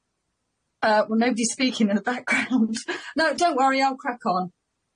Yy well nobody's speaking in the background. No don't worry I'll crack on.